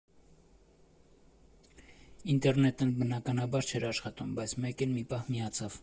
Ինտերնետն էլ բնականաբար չէր աշխատում, բայց մեկ էլ մի պահ միացավ։